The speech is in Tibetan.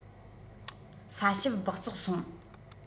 ས ཞབ སྦགས བཙོག སོང